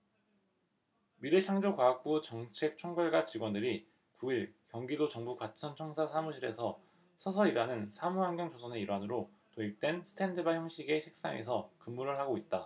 미래창조과학부 정책총괄과 직원들이 구 일 경기도 정부과천청사 사무실에서 서서 일하는 사무환경 조성의 일환으로 도입된 스탠드바 형식의 책상에서 근무를 하고 있다